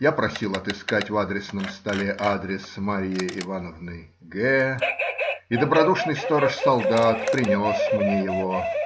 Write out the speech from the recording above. Я просил отыскать в адресном столе адрес Марьи Ивановны Г. , и добродушный сторож-солдат принес мне его.